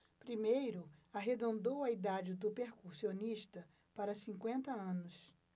primeiro arredondou a idade do percussionista para cinquenta anos